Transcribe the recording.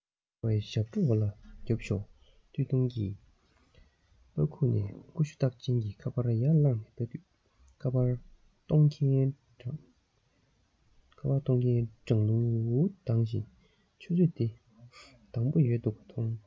དགའ བའི ཞབས བྲོ འོ ལ རྒྱོབས ཤོག སྟོད ཐུང གི པར ཁུག ནས ཀུ ཤུ རྟགས ཅན གྱི ཁ པར ཡར བླངས ནས ལྟ དུས ཁ པར གཏོང མཁན གྲང རླུང འུར འུར ལྡང བཞིན ཆུ ཚོད དེ དང པོ ཡོལ འདུག པ མཐོང